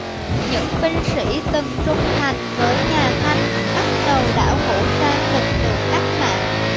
những binh sĩ từng trung thành với nhà thanh bắt đầu đào ngũ sang lực lượng cách mạng